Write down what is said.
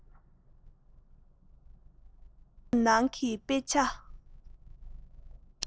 རྒྱབ ཁུག ནང གི དཔེ ཆ